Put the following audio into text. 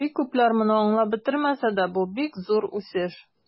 Бик күпләр моны аңлап бетермәсә дә, бу бик зур үсеш.